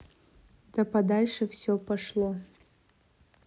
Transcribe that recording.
да подальше все пошло